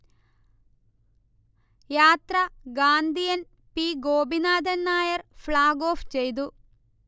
യാത്ര Gandhian P. Gopinathan Nair flag off ചെയ്തു